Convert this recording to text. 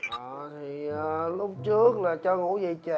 ừ thì lúc trước là cho ngủ dậy trễ